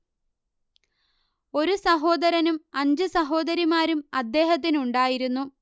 ഒരു സഹോദരനും അഞ്ചു സഹോദരിമാരും അദ്ദേഹത്തിനുണ്ടായിരുന്നു